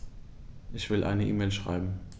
Ich will eine E-Mail schreiben.